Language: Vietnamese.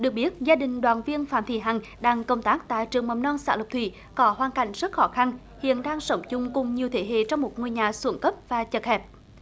được biết gia đình đoàn viên phạm thị hằng đang công tác tại trường mầm non xã lộc thủy có hoàn cảnh rất khó khăn hiện đang sống chung cùng nhiều thế hệ trong một ngôi nhà xuống cấp và chật hẹp